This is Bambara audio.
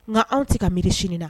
Nka anw tɛ ka miiri sini na